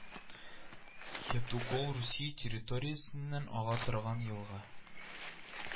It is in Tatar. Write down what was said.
Етугол Русия территориясеннән ага торган елга